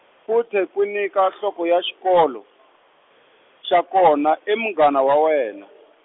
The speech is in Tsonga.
futhi Nkwinika nhloko ya xikolo, xa kona, i munghana wa wena.